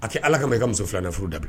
A ko ala ka i ka muso filanan furu da